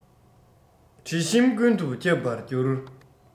དྲི ཞིམ ཀུན ཏུ ཁྱབ པར འགྱུར